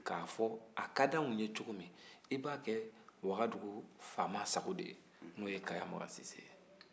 k'a fɔ a ka di anw ye cogo min i b'a kɛ wagadu faama sago de ye n'o ye kayan makan sise ye